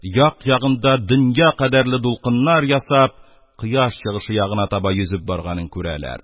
Як-ягында дөнья кадәрле тулкыннар ясап, кояш чыгышы ягына таба йөзеп барганын күрәләр